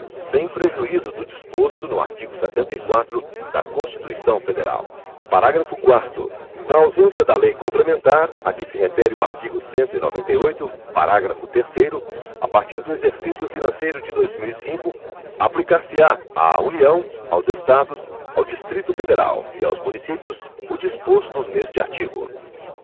sem prejuízo do disposto no artigo setenta e quatro da constituição federal parágrafo quarto na ausência da lei complementar a que se refere o artigo cento e noventa e oito parágrafo terceiro a partir do exercício financeiro de dois mil e cinco aplicar se á à união aos estados ao distrito federal e aos municípios o disposto neste artigo